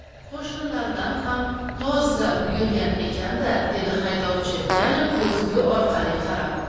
qo'shnilardan ham toz za buyurgan ekan da a dedi haydovchi yana ko'zgu orqali qarab